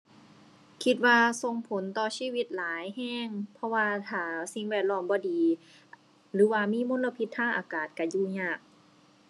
คิดว่าส่งผลต่อชีวิตหลายแรง เพราะว่าถ้าสิ่งแวดล้อมบ่ดี หรือว่ามีมลพิษทางอากาศแรงอยู่ยาก